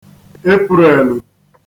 Eprèèlù